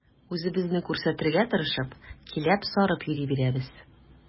Үзебезне күрсәтергә тырышып, киләп-сарып йөри бирәбез.